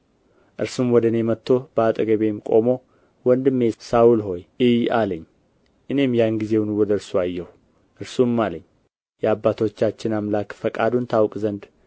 እርሱም ወደ እኔ መጥቶ በአጠገቤም ቆሞ ወንድሜ ሳውል ሆይ እይ አለኝ እኔም ያን ጊዜውን ወደ እርሱ አየሁ እርሱም አለኝ የአባቶቻችን አምላክ ፈቃዱን ታውቅ ዘንድና